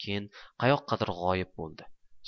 keyin qayoqqadir g'oyib bo'ldi